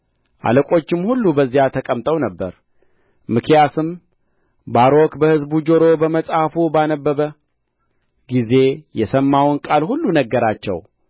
አለቆቹም ሁሉ በዚያ ተቀምጠው ነበር ሚክያስም ባሮክ በሕዝቡ ጆሮ በመጽሐፉ ባነበበ ጊዜ የሰማውን ቃል ሁሉ ነገራቸው